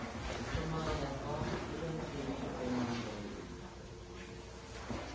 육 천만 원 해서 일 년 수입이 육 백만 원 정도 됩니다